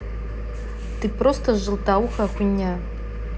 ты просто желтоухая хуйня